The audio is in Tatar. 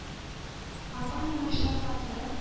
Компаниянең штаб-фатиры